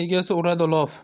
egasi uradi lof